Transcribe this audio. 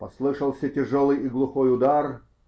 Послышался тяжелый и глухой удар.